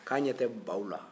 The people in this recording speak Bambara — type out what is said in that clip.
k'a ɲɛ tɛ baw la